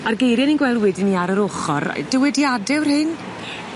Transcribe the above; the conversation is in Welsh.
A'r geirie ni'n gwel' wedyn 'ny ar yr ochor yy dywediade yw'r rhein?